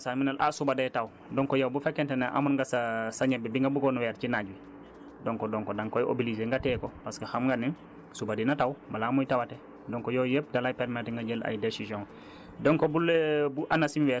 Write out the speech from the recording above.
bu la Anacim envoyé message mu ne la ah suba day taw donc yow bu fekente ne amoon nga sa sa ñebe bi nga buggoon weer ci naaj wi donc donc da nga koy obliger nga téye ko parce que xam nga ne suba dina taw balaa muy tawte donc yooyu yépp da lay permettre ;fra nga jël ay décisions